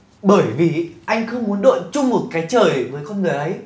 bởi vì anh không muốn đội chung một cái trời với con người ấy